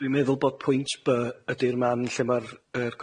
Dwi'n meddwl bod pwynt By ydi'r man lle ma'r yy